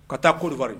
Ka taa Côte d'Ivoire